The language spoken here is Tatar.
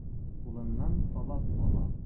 Кулыннан талап ала.